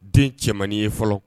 Den cɛmanmaninin ye fɔlɔ